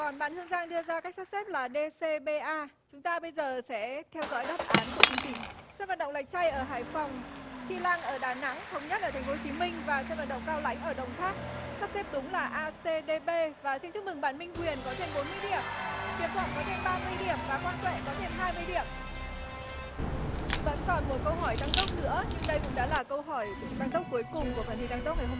còn bạn hương giang đưa ra cách sắp xếp là đê xê bê a chúng ta bây giờ sẽ theo dõi đáp án của chương trình sân vận động lạch tray ở hải phòng chi lăng ở đà nẵng thống nhất ở thành phố hồ chí minh và sân vận động cao lãnh ở đồng tháp sắp xếp đúng là a xê đê bê và xin chúc mừng bạn minh huyền có thêm bốn mươi điểm hiệp thuận có thêm ba mươi điểm và quang tuệ có thêm hai mươi điểm vẫn còn một câu hỏi tăng tốc nữa nhưng đây cũng đã là câu hỏi tăng tốc cuối cùng của phần thi tăng tốc